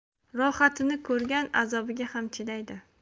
rohatini ko'rgan azobiga ham chidaydi